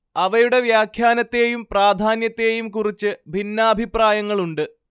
അവയുടെ വ്യാഖ്യാനത്തേയും പ്രാധാന്യത്തേയും കുറിച്ച് ഭിന്നാഭിപ്രായങ്ങളുണ്ട്